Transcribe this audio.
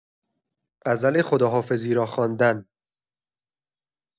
غزل خداحافظی را خواندن